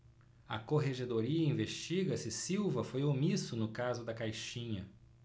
a corregedoria investiga se silva foi omisso no caso da caixinha